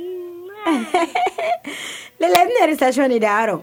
Ni yɛrɛ taconni dayara